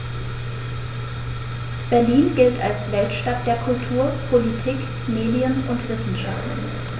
Berlin gilt als Weltstadt der Kultur, Politik, Medien und Wissenschaften.